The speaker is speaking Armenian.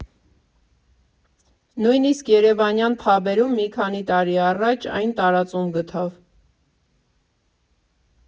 Նույնիսկ Երևանյան փաբերում մի քանի տարի առաջ այն տարածում գտավ։